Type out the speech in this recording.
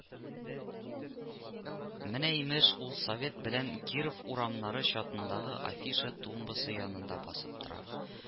Менә, имеш, ул Совет белән Киров урамнары чатындагы афиша тумбасы янында басып тора